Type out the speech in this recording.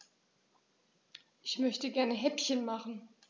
Ich möchte gerne Häppchen machen.